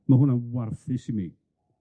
Ma' hwnna'n warthus i mi.